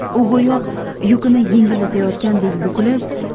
u go'yo yukini yengillatayotgandek bukilib